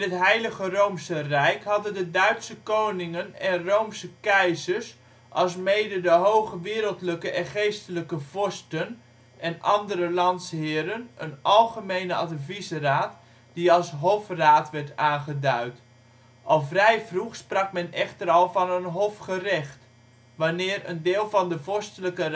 Heilige Roomse Rijk hadden de Duitse koningen en Rooms keizers, alsmede de hoge wereldlijke en geestelijke vorsten en andere landsheren een algemene adviesraad die als hofraad (Hofrat) werd aangeduid. Al vrij vroeg sprak men echter al van een hofgerecht (Hofgericht), wanneer (een deel van) de vorstelijke